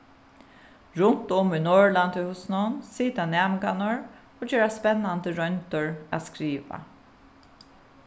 runt um í norðurlandahúsinum sita næmingarnir og gera spennandi royndir at skriva